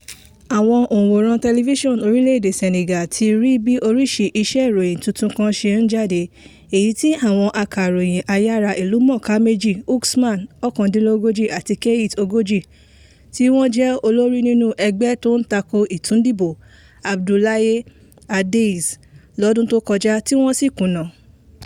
Àwọn òǹwòran tẹlifíṣọ̀n lórílẹ̀-èdè Senegal ti rí bí oríṣi iṣẹ́ ìròyìn tuntun kan ṣe ń jáde, èyí tí àwọn akọrin ayára ìlúmọ̀ọ́ká méjì, Xuman (39) àti Keyti (40), tí wọ́n jẹ́ olórí nínú ẹgbẹ́ tó ń tako ìtúndìbò Abdoulaye ade's lọ́dún tó kọjá, tí wọ́n sì kùnà.